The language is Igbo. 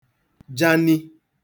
jani